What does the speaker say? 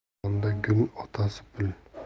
chamanda gul otasi pul